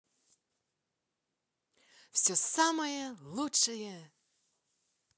все самое лучшее